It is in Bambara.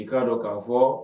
I'a dɔn k'a fɔ